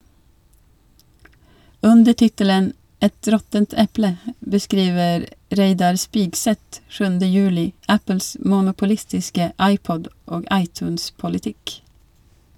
Under tittelen «Et råttent eple» beskriver Reidar Spigseth 7. juli Apples monopolistiske iPod- og iTunes-politikk.